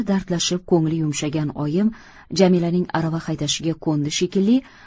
dardlashib ko'ngli yumshagan oyim jamilaning arava haydashiga ko'ndi shekilli